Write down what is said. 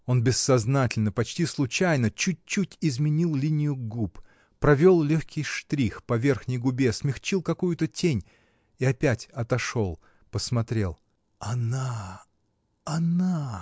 Он бессознательно, почти случайно, чуть-чуть изменил линию губ, провел легкий штрих по верхней губе, смягчил какую-то тень и опять отошел, посмотрел: — Она, она!